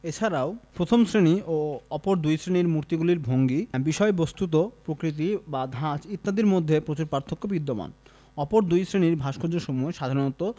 এছাড়াও প্রথম শ্রেণি ও অপর দুই শ্রেণীর মূর্তিগুলির ভঙ্গি বিষয়বস্ত্ত প্রকৃতি বা ধাঁচ ইত্যাদির মধ্যে প্রচুর পার্থক্য বিদ্যমান অপর দুই শ্রেণীর ভাস্কর্যসমূহে সাধারণত